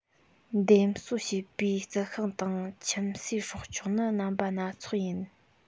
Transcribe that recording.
འདེབས གསོ བྱས པའི རྩི ཤིང དང ཁྱིམ གསོས སྲོག ཆགས ནི རྣམ པ སྣ ཚོགས ཡིན